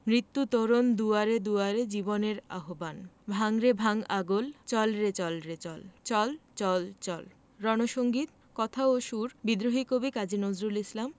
মৃত্যু তরণ দুয়ারে দুয়ারে জীবনের আহবান ভাঙ রে ভাঙ আগল চল রে চল রে চল চল চল চল রন সঙ্গীত কথা ও সুর বিদ্রোহী কবি কাজী নজরুল ইসলাম